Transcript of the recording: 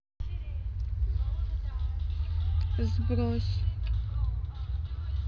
сбрось